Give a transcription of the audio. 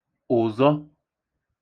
ụ̀zọ